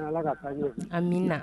Amiina